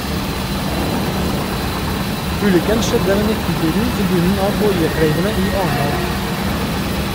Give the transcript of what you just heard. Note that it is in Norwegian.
Ulykken skjedde ved 19-tiden i bunnen av Voiekleivene i Arendal.